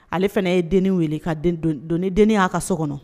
Ale fana ye dennin weele ka don den'a ka so kɔnɔ